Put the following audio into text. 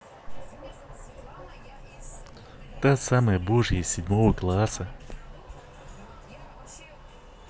та самая божья из седьмого класса